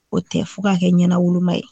O tɛ fo k'a kɛ ɲɛnawoloma ye